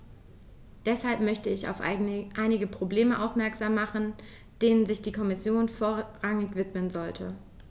Deshalb möchte ich auf einige Probleme aufmerksam machen, denen sich die Kommission vorrangig widmen sollte.